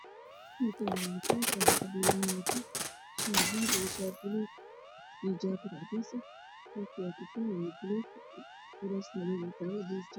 Waa labo nin wato suud iyo shaati madow iyo guduud ah